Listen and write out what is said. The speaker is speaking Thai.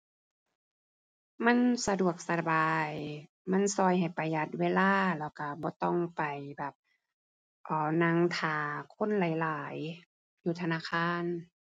มันสะดวกสบาย มันช่วยให้ประหยัดเวลาแล้วช่วยบ่ต้องไปแบบ เอ่อ นั่งท่าคนหลายหลายอยู่ธนาคาร